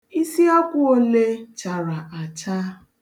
Isiakwụ ole chara acha?